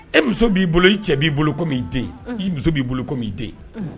E muso bi bolo . i cɛ bi bolo comme i den. I muso bi bolo comme i den .